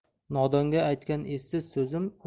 nodonga aytgan esiz so'zim